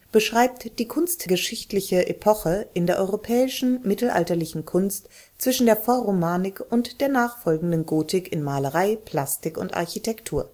beschreibt die kunstgeschichtliche Epoche in der europäischen mittelalterlichen Kunst zwischen der Vorromanik und der nachfolgenden Gotik in Malerei, Plastik und Architektur